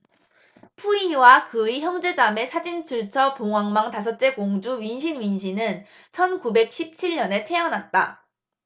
푸이와 그의 형제자매 사진출처 봉황망 다섯째 공주 윈신윈신은 천 구백 십 칠 년에 태어났다